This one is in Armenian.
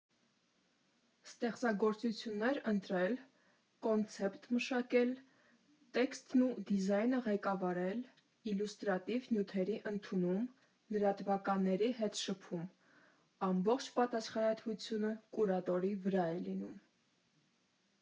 Ստեղծագործություններ ընտրել, կոնցեպտ մշակել, տեքստն ու դիզայնը ղեկավարել, իլյուստրատիվ նյութերի ընդունում, լրատվականների հետ շփում՝ ամբողջ պատասխանատվությունը կուրատորի վրա է լինում։